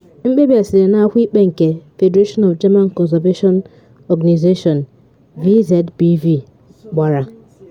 Mkpebi a sitere na akwụkwọ ikpe nke Federation of German Conservation Organisation, VZBV, gbara.